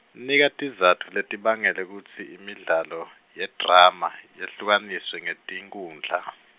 nika tizatfu letibangela kutsi imidlalo, yedrama yehlukaniswe ngeti nkhundla.